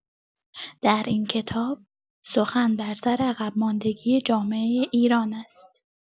در این کتاب سخن بر سر عقب‌ماندگی جامعه ایران است.